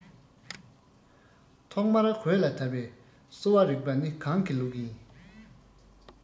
ཐོག མར བོད ལ དར བའི གསོ བ རིག པ ནི གང གི ལུགས ཡིན